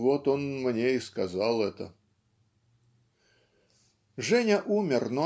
Вот он мне и сказал это". Женя умер